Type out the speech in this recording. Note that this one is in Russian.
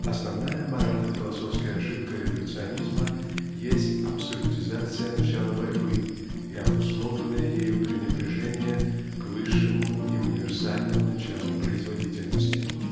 основная морально-философская ошибка революционизма есть абсолютизация начала борьбы и обусловленное ею пренебрежение к высшему и универсальному началу производительности.